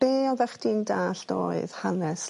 be' oddach chdi'n dallt oedd hanes...